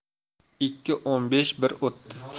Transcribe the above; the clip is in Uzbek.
ikki o'n besh bir o'ttiz